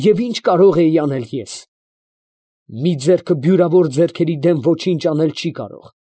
Եվ ի՜նչ կարող էի անել ես. մի ձեռքը բյուրավոր ձեռքերի դեմ ոչինչ անել չէ կարող։